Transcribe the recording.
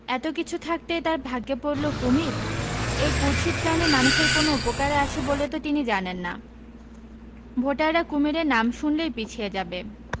এত কিছু থাকতে তাঁর ভাগ্যে পড়ল কুমীর এই কুৎসিত প্রাণী মানুষের কোন উপকারে আসে বলে তো তিনি জানেন না ভোটাররা কুমীরের নাম শুনলেই পিছিয়ে যাবে